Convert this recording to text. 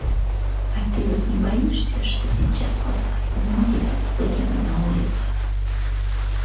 а ты вот не боишься что сейчас вот возьму тебя выкину на улицу